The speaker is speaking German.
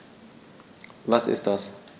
Was ist das?